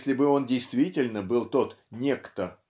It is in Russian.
если бы он действительно был тот Некто